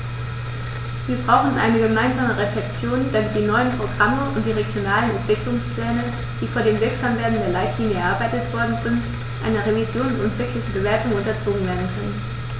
Wir brauchen eine gemeinsame Reflexion, damit die neuen Programme und die regionalen Entwicklungspläne, die vor dem Wirksamwerden der Leitlinien erarbeitet worden sind, einer Revision und wirklichen Bewertung unterzogen werden können.